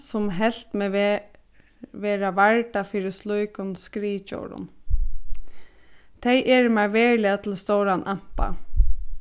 sum helt meg vera varda fyri slíkum skriðdjórum tey eru mær veruliga til stóran ampa